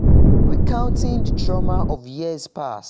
Recounting the trauma of years past